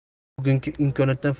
bugungi imkoniyatdan